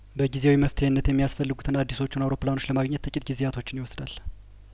በጊዜያዊ መፍትሄነት የሚያስፈልጉትን አዲሶቹን አውሮፕላኖች ለማግኘት ጥቂት ጊዜያቶችን ይወስዳል